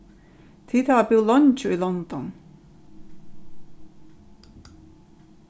tit hava búð leingi í london